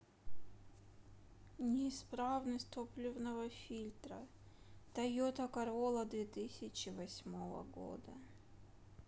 неисправность топливного фильтра тойота королла две тысячи восьмого года